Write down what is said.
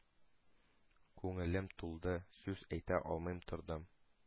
Күңелем тулды, сүз әйтә алмый тордым.